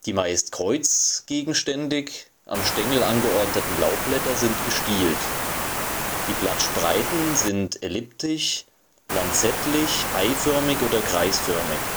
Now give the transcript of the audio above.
meist kreuz-gegenständig am Stängel angeordneten Laubblätter sind gestielt. Die Blattspreiten sind elliptisch, lanzettlich, eiförmig oder kreisförmig